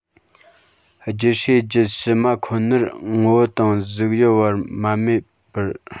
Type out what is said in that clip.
རྒྱུད བསྲེས རྒྱུད ཕྱི མ ཁོ ནར ངོ བོ དང གཟུགས དབྱིབས བར མ མེད པར